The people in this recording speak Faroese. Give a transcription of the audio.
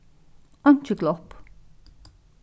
einki glopp